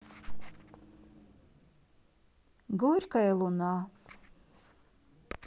горькая луна